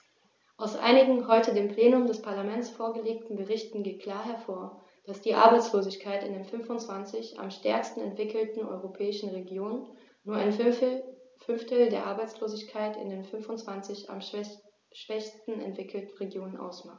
Aus einigen heute dem Plenum des Parlaments vorgelegten Berichten geht klar hervor, dass die Arbeitslosigkeit in den 25 am stärksten entwickelten europäischen Regionen nur ein Fünftel der Arbeitslosigkeit in den 25 am schwächsten entwickelten Regionen ausmacht.